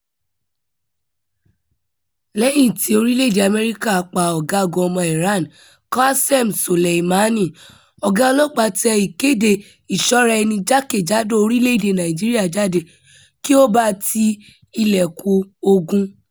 Ẹgbẹ́ Ẹ̀sìn Ìmàle ní Nàìjíríà ṣàpèjúwe ikú oró òjò ọta ìbọn láti òkè wá tí US fi pa Soleimani gẹ́gẹ́ bí "ìpè ogun sí Ìran".